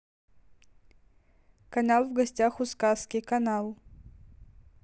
канал в гостях у сказки канал